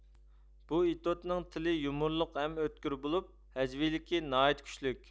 بۇ ئېتوتنىڭ تىلى يۇمۇرلۇق ھەم ئۆتكۈر بولۇپ ھەجۋىيلىكى ناھايىتى كۈچلۈك